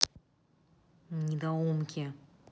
недоумки